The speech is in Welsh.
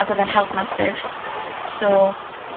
ac odd e'n help massive so,